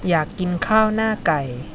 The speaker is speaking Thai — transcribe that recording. อยากกินข้าวหน้าไก่